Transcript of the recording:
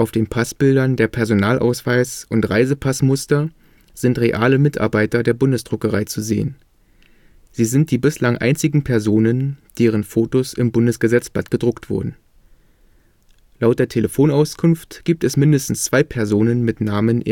den Passbildern der Personalausweis - und Reisepass-Muster sowie der Passbild-Mustertafel sind reale Mitarbeiter der Bundesdruckerei zu sehen. Sie sind die bislang einzigen Personen, deren Fotos im Bundesgesetzblatt gedruckt wurden. Laut der Telefonauskunft gibt es mindestens zwei Personen mit Namen